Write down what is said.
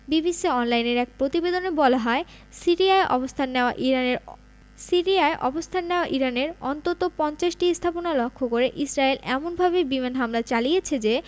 BBC অনলাইনের এক প্রতিবেদনে বলা হয় সিরিয়ায় অবস্থান নেওয়া ইরানের সিরিয়ায় অবস্থান নেওয়া ইরানের অন্তত ৫০টি স্থাপনা লক্ষ্য করে ইসরায়েল এমনভাবে বিমান হামলা চালিয়েছে যে